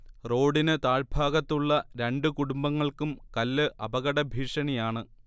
റോഡിന് താഴ്ഭാഗത്തുള്ള രണ്ട് കുടുംബങ്ങൾക്കും കല്ല് അപകടഭീഷണിയാണ്